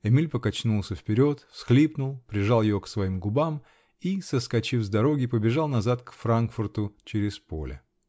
Эмиль покачнулся вперед, всхлипнул, прижал ее к своим губам -- и, соскочив с дороги, побежал назад к Франкфурту, через поле.